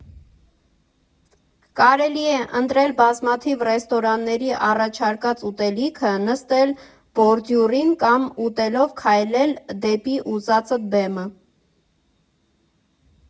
Կարելի է ընտրել բազմաթիվ ռեստորանների առաջարկած ուտելիքը, նստել բորդյուրին, կամ ուտելով քայլել դեպի ուզածդ բեմը։